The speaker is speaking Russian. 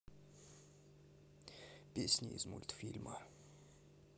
песни из мультфильма